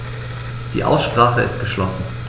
Die Aussprache ist geschlossen.